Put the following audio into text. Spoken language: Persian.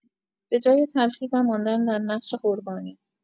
به‌جای تلخی و ماندن در نقش قربانی